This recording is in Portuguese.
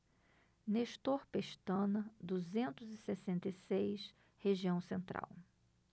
nestor pestana duzentos e sessenta e seis região central